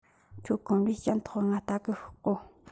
ཁྱོད ཁོམ རས ཞན ཐོག ག ངའ ལྟ གི ཤོག གོ